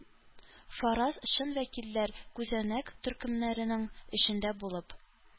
Фараз - чын вәкилләр күзәнәк төркемнәренең эчендә булып...